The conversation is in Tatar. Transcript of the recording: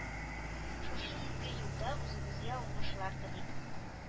Шушы изге юлда үзебезгә уңышлар телик